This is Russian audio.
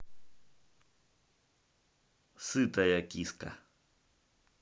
сытая киска